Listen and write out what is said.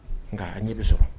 Nka a ɲɛ bɛ sɔrɔ